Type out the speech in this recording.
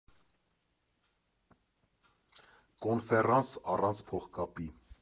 Կոնֆերանս՝ առանց փողկապի։